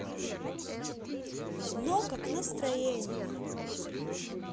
одно как настроение